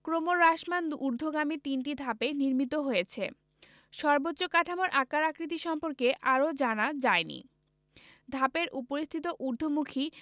ক্রমহ্রাসমান ঊর্ধ্বগামী তিনটি ধাপে নির্মিত হয়েছে সর্বোচ্চ কাঠামোর আকার আকৃতি সম্পর্কে আরও জানা যায় নি ধাপের উপরিস্থিত ঊর্ধ্বমুখী